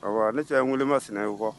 Abaa ne cɔ ye Nwelema Sinayokɔ